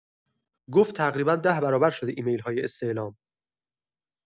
گفت تقریبا ۱۰ برابر شده ایمیل‌های استعلام.